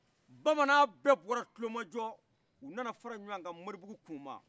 bamanan bɛ bɔra kulomajɔ u nana faraɲɔgɔnka morijuku kuma